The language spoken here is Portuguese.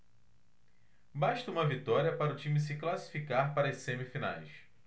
basta uma vitória para o time se classificar para as semifinais